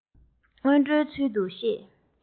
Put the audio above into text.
སྔོན འགྲོའི ཚུལ དུ བཤད